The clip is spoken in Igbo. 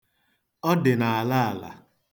Ọ dị n'alaala.